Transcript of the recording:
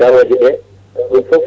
gawejeɗe ɓen foof